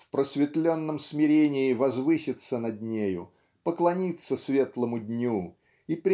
в просветленном смирении возвыситься над нею поклониться светлому Дню и